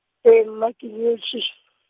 ee mma ke nyetswe.